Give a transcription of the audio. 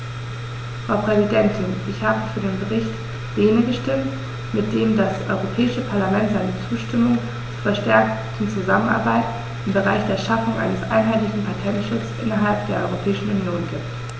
Frau Präsidentin, ich habe für den Bericht Lehne gestimmt, mit dem das Europäische Parlament seine Zustimmung zur verstärkten Zusammenarbeit im Bereich der Schaffung eines einheitlichen Patentschutzes innerhalb der Europäischen Union gibt.